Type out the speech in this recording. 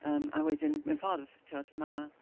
Yym a wedyn, mewn ffordd timod mae...